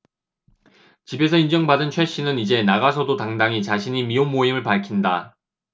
집에서 인정받은 최 씨는 이제 나가서도 당당히 자신이 미혼모임을 밝힌다